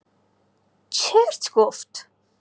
چرت گفت!